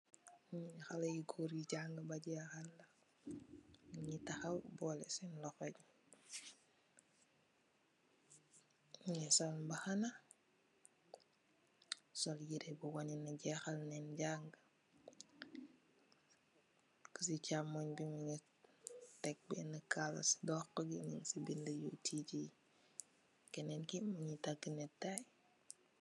Yi haley góor yu jàng ba jèhal la, nu tahaw bolè senn loho yi. Nungi sol mbahana, sol yiré bu wonènè jèhal nèn jàng ak ci chàmoñ bi nung tekk benn Kala ci dogku gi nung ci bindi UTG. kenen ki mungi takk necktie.